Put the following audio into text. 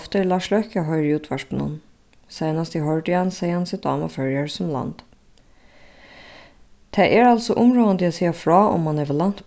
ofta er lars løkke at hoyra í útvarpinum seinast eg hoyrdi hann segði hann seg dáma føroyar sum land tað er altso umráðandi at siga frá um mann hevur lænt